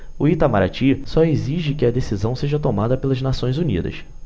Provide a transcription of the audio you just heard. o itamaraty só exige que a decisão seja tomada pelas nações unidas